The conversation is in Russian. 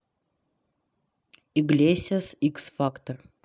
иглесиас икс фактор